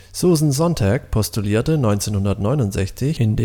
Susan Sontag postulierte 1969 in